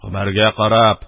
Гомәргә карап: